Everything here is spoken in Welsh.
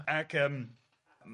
Ac yym